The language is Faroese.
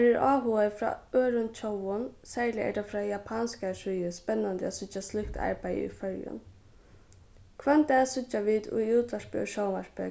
har er áhugi frá øðrum tjóðum serliga er tað frá japanskari síðu spennandi at síggja slíkt arbeiði í føroyum hvønn dag síggja vit í útvarpi og sjónvarpi